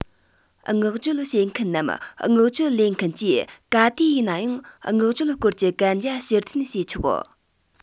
མངགས བཅོལ བྱེད མཁན ནམ མངགས བཅོལ ལེན མཁན གྱིས ག དུས ཡིན ནའང མངགས བཅོལ སྐོར གྱི གན རྒྱ ཕྱིར འཐེན བྱས ཆོག